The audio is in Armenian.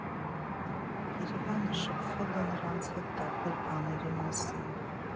ԵՐԵՎԱՆը շփվել է նրանց հետ տարբեր բաների մասին։